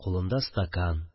Кулында стакан